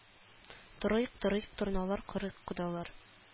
Торыйк торыйк торналар корыйк кодалар